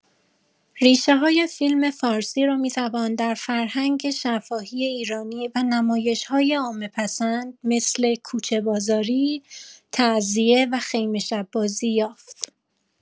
ریشه‌های فیلم‌فارسی را می‌توان در فرهنگ شفاهی ایرانی و نمایش‌های عامه‌پسند مثل کوچه‌بازاری، تعزیه و خیمه‌شب‌بازی یافت.